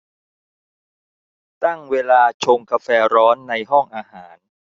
ตั้งเวลาชงกาแฟร้อนในห้องอาหาร